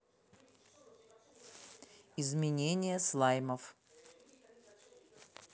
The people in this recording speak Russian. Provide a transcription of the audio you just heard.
изменение слаймов